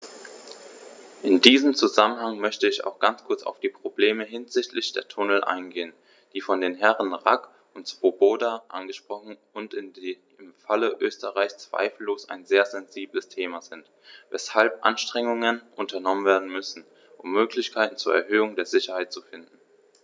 In diesem Zusammenhang möchte ich auch ganz kurz auf die Probleme hinsichtlich der Tunnel eingehen, die von den Herren Rack und Swoboda angesprochen wurden und die im Falle Österreichs zweifellos ein sehr sensibles Thema sind, weshalb Anstrengungen unternommen werden müssen, um Möglichkeiten zur Erhöhung der Sicherheit zu finden.